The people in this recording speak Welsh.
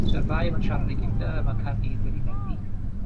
So'r ddau yma'n siarad a'i gilydd dy- ma' Caerdydd wedi methu.